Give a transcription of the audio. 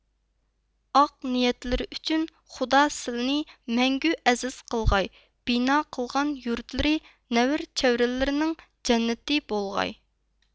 ئاق نىيەتلىرى ئۈچۈن خۇدا سىلىنى مەڭگۈ ئەزىز قىلغاي بىنا قىلغان يۇرتلىرى نەۋرە چەۋرىلەرنىڭ جەننىتى بولغاي